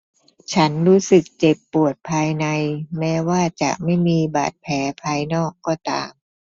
ฉันรู้สึกเจ็บปวดภายในแม้ว่าจะไม่มีบาดแผลภายนอกก็ตาม